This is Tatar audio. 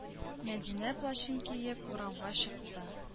Мәдинә плащын киеп урамга чыкты.